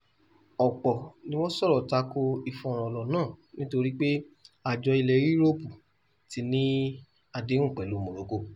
Ọ̀pọ̀ ni wọ́n sọ̀rọ̀ tako ìfọ̀rànlọ̀ náà nítorí pé Àjọ ilẹ̀ Europe ti ní àdéhùn pẹ̀lú Morocco.